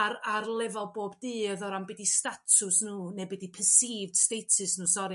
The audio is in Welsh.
Ar ar lefal bob dydd o ran be 'di statws n'w neu be 'di percieved status n'w sori